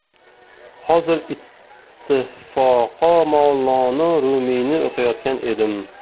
hozir ittifoqo mavlono rumiyni o'qiyotgan edim